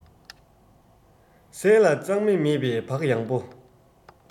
ཟས ལ གཙང སྨེ མེད པའི བག ཡངས པོ